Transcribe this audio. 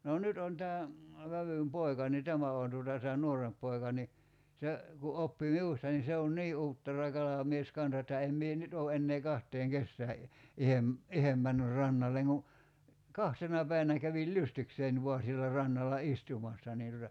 no nyt on tämä vävyn poika niin tämä on tuota tämä nuorempi poika niin se kun oppi minusta niin se on niin uuttera kalamies kanssa että en minä nyt ole enää kahteen kesään - itse itse mennyt rannalle kuin kahtena päivänä kävin lystikseni vain siellä rannalla istumassa niin tuota